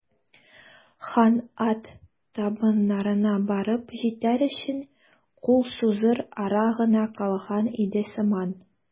Хан ат табыннарына барып җитәр өчен кул сузыр ара гына калган иде сыман.